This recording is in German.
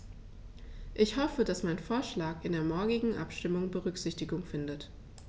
Ich hoffe, dass mein Vorschlag in der morgigen Abstimmung Berücksichtigung findet.